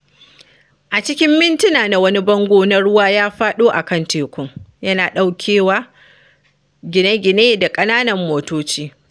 A cikin mintina wani bango na ruwa ya faɗo a kan tekun, yana ɗaukewa gine-gine da ƙananan motoci.